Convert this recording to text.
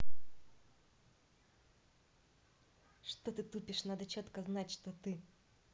что то ты тупишь надо четко знать что ты